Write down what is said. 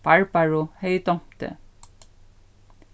barbaru hevði dámt teg